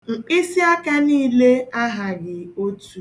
Mkpịsịaka niile ahaghị otu